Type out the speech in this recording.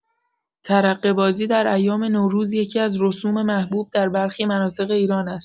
ترقه‌بازی در ایام نوروز یکی‌از رسوم محبوب در برخی مناطق ایران است.